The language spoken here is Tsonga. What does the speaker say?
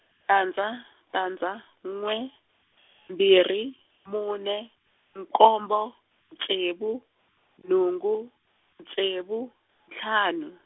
tandza tandza n'we, mbirhi mune nkombo ntsevu nhungu ntsevu ntlhanu.